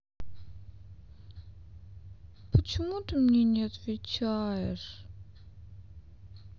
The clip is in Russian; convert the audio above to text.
почему ты мне не отвечаешь